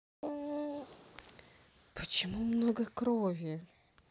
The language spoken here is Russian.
почему много крови